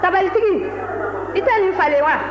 tabalitigi i tɛ nin falen wa